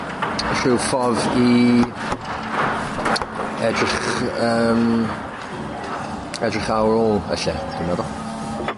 rhyw ffordd i edrych yym edrych ar ôl y lle dwi meddwl.